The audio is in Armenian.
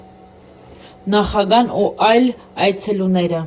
Նախագահն ու այլ այցելուները։